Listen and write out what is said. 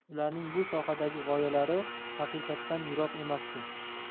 ularning bu sohadagi g'oyalari haqiqatdan yiroq emasdi